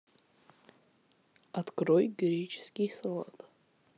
открой греческий салат